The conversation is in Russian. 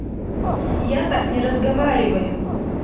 я так не разговариваю